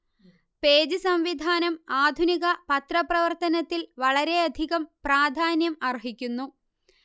page സംവിധാനം ആധുനിക പത്രപ്രവർത്തനത്തിൽവളരെയധികം പ്രാധാന്യം അർഹിക്കുന്നു